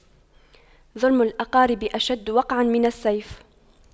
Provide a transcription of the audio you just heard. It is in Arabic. ظلم الأقارب أشد وقعا من السيف